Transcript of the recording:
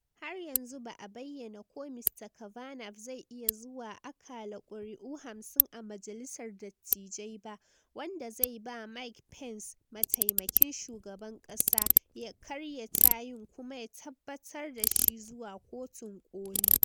Har yanzu ba a bayyana ko Mr Kavanaugh zai iya zuwa akalla kuri'u 50 a Majalisar Dattijai ba, wanda zai ba Mike Pence, mataimakin shugaban kasa, ya karya tayin kuma ya tabbatar da shi zuwa Kotun Koli.